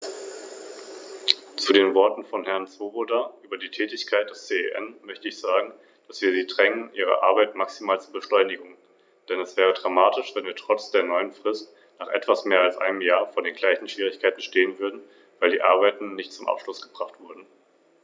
Zu dieser Verbrauchergruppe gehören vor allem Klein- und Mittelbetriebe, Händler und Familienunternehmen, und über EU-Instrumente, die Klein- und Mittelbetriebe finanziell unterstützen sollen, wurde gerade in dieser Sitzungsperiode diskutiert.